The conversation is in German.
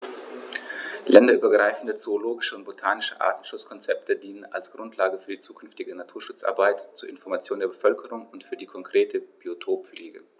Länderübergreifende zoologische und botanische Artenschutzkonzepte dienen als Grundlage für die zukünftige Naturschutzarbeit, zur Information der Bevölkerung und für die konkrete Biotoppflege.